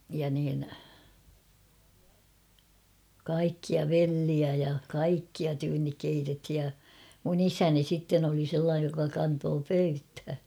ja niin kaikkia vellejä ja kaikkia tyynni keitettiin ja minun isäni sitten oli sellainen joka kantoi pöytään